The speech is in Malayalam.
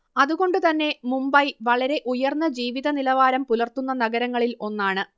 അതുകൊണ്ടു തന്നെ മുംബൈ വളരെ ഉയർന്ന ജീവിത നിലവാരം പുലർത്തുന്ന നഗരങ്ങളിൽ ഒന്നാണ്